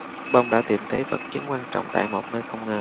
bong đã tìm thấy vật chứng quan trọng tại một nơi không ngờ